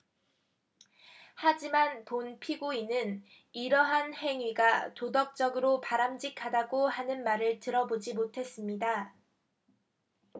하지만 본 피고인은 이러한 행위가 도덕적으로 바람직하다고 하는 말을 들어보지 못했습니다